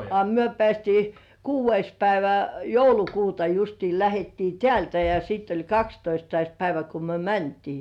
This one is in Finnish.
a me päästiin kuudes päivä joulukuuta justiin lähdettiin täältä ja sitten oli kahdestoista päivä kun me mentiin